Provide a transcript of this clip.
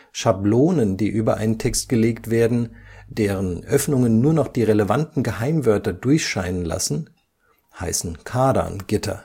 Schablonen, die über einen Text gelegt werden deren Öffnungen nur noch die relevanten Geheimwörter durchscheinen lassen, heißen Cardan-Gitter